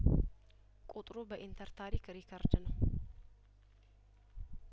ቁጥሩ በኢንተር ታሪክ ሪከርድ ነው